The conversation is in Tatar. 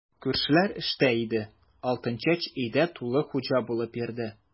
Күршеләр эштә иде, Алтынчәч өйдә тулы хуҗа булып йөрде.